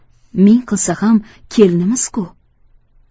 ming qilsa ham kelinimiz ku